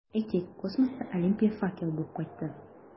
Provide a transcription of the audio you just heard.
Әйтик, космоста Олимпия факелы булып кайтты.